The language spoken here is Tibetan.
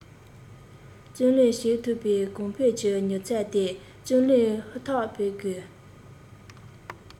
བཙོན ལེན བྱེད ཐུབ པའི གོང འཕེལ གྱི མྱུར ཚད དེ བཙོན ལེན ཧུར ཐག བྱེད དགོས